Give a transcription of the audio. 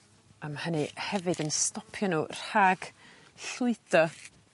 A ma' hynny hefyd yn stopio n'w rhag llwydo.